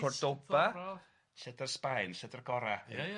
Gordoba, lledar Sbaen, lledar gora... Ia ia...